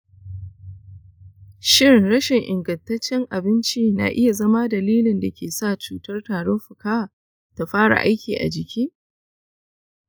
shin rashin ingantaccen abinci na iya zama dalilin da ke sa cutar tarin fuka ta fara aiki a jiki?